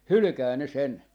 hylkää ne sen